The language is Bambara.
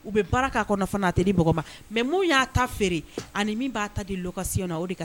U bɛ baara' kɔnɔ tɛ di ma mɛ mun y'a ta feere ani min b'a ta di kasi o de